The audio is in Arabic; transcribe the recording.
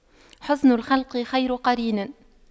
حُسْنُ الخلق خير قرين